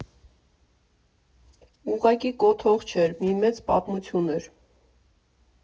Ուղղակի կոթող չէր, մի մեծ պատմություն էր։